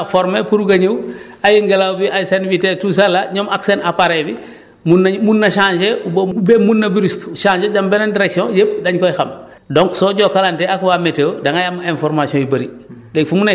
taw mun naa former pour nga ñëw ay ngelaw bi ay seen vitesse tout ça là ñoom ak seen appareil bi mun nañu mun na changer ba ba mun na brusque mu changer dem beneen direction yëpp dañ koy xam donc soo jokkalantee ak waa météo da ngay am information yu bëri